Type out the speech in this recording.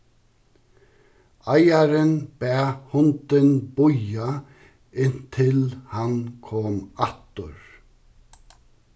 eigarin bað hundin bíða inntil hann kom aftur